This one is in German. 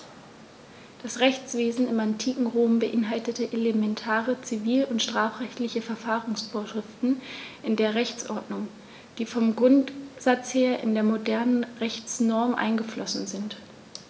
Das Rechtswesen im antiken Rom beinhaltete elementare zivil- und strafrechtliche Verfahrensvorschriften in der Rechtsordnung, die vom Grundsatz her in die modernen Rechtsnormen eingeflossen sind.